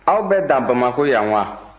aw bɛ dan bamakɔ yan wa